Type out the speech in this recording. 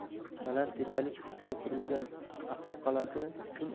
baland tepalik ustiga qurilgan axsi qalasi